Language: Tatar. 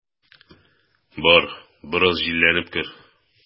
Бар, бераз җилләнеп кер.